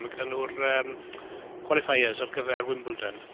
Mae gyda nhw'r yym qualifiers ar gyfer Wimbledon.